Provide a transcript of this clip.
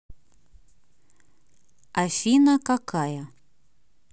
афина какая